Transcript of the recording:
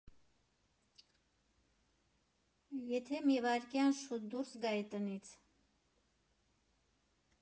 Եթե մի վայրկյան շուտ դուրս գայի տնից…